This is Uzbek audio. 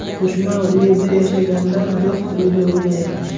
dushman uyida yashagandan do'st uyida o'lgan yaxshi